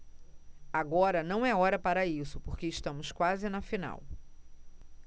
agora não é hora para isso porque estamos quase na final